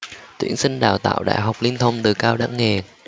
tuyển sinh đào tạo đại học liên thông từ cao đẳng nghề